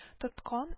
Тоткан